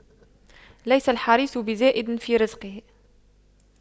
ليس الحريص بزائد في رزقه